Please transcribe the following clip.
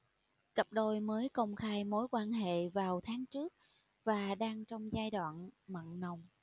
cặp đôi mới công khai mối quan hệ vào tháng trước và đang trong giai đoạn mặn nồng